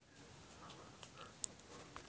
включи фильм кухня в париже